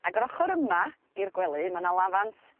ag yr ochor yma i'r gwely ma' 'na lafant